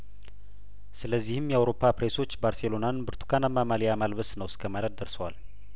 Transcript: ስለዚህም የአውሮፓ ፕሬሶች ባርሴሎናን ብርቱካናማ ማሊያ ማልበስ ነው እስከ ማለት ደርሰዋል